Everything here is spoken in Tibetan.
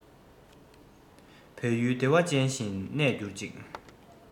བོད ཡུལ བདེ བ ཅན བཞིན གནས འགྱུར ཅིག